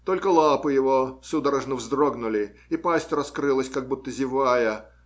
только лапы его судорожно вздрогнули, и пасть раскрылась, как будто зевая.